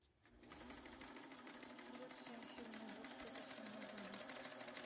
лучшие фильмы двухтысячного года